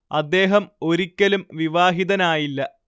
അദ്ദേഹം ഒരിക്കലും വിവാഹിതനായില്ല